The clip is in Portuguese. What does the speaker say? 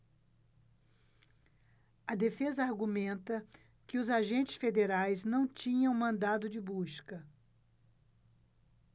a defesa argumenta que os agentes federais não tinham mandado de busca